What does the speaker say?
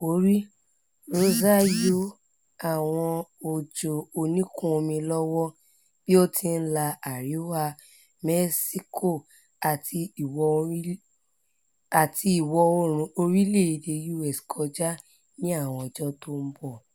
Bótiwùkórí, Rosa yóò àwọn òjò oníìkún omi lọ́wọ́ bí ó ti ńla àríwá Mẹ́ṣíkò àti ìwọ̀-oòrùn orílẹ̀-èdè U.S. kọ́ja ní àwọn ọjọ́ tó ḿbọ.